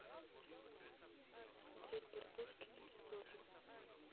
смотреть барбоскины бесплатно